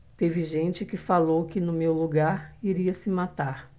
teve gente que falou que no meu lugar iria se matar